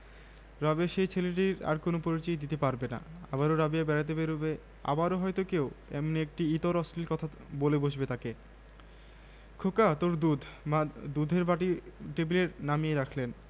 চেপে ধরে রাখে ব্যর্থ হয়ে হাওয়া তার চেষ্টা বন্ধ করে এর পর সূর্যের পালা সূর্য তার গরম তাপ ছড়ায় পথিক সঙ্গে সঙ্গে তার গায়ের চাদর খুলে ফেলে অবশেষে